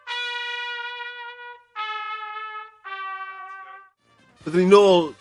Byddwn ni nôl